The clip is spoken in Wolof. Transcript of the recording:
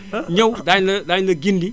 ñëw daañu la daañu la gindi